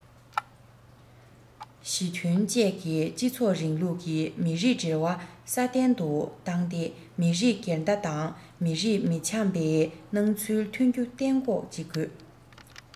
ཞི མཐུན བཅས ཀྱི སྤྱི ཚོགས རིང ལུགས ཀྱི མི རིགས འབྲེལ བ སྲ བརྟན དུ བཏང སྟེ མི རིགས འགལ ཟླ དང མི རིགས མི འཆམ པའི སྣང ཚུལ ཐོན རྒྱུ གཏན འགོག བྱེད དགོས